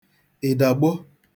ị̀dàgbo